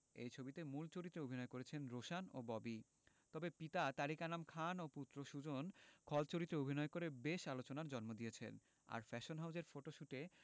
এই ছবিতে মূখ চরিত্রে অভিনয় করছেন রোশান ও ববি তবে পিতা তারিক আনাম খান ও পুত্র সুজন খল চরিত্রে অভিনয় করে বেশ আলোচনার জন্ম দিয়েছেন আর ফ্যাশন হাউজের ফটোশুটে